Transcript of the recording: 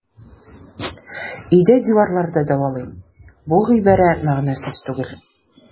Өйдә диварлар да дәвалый - бу гыйбарә мәгънәсез түгел.